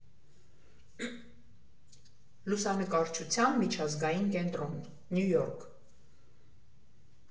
Լուսանկարչության միջազգային կենտրոն, Նյու Յորք։